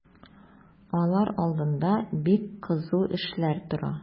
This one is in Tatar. Алар алдында бик кызу эшләр тора.